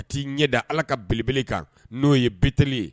A t'i ɲɛ da ala ka belebele kan n'o ye biteli ye